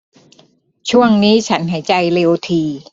ช่วงนี้ฉันหายใจเร็วถี่